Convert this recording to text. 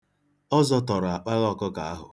Ọ zọtọrọ akpala ọkụkọ ahụ.